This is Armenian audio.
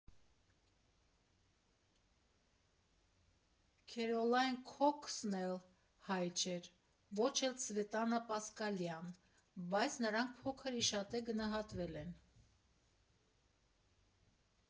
Քերոլայն Քոքսն էլ հայ չէր, ոչ էլ Ցվետանա Պասկալևան, բայց նրանք փոքր ի շատե գնահատվել են։